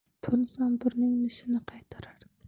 pul zamburning nishini qaytarar